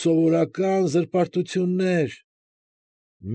Սովորական զրպարտություննե՛ր։